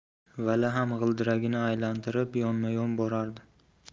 vali ham g'ildiragini aylantirib yonma yon borar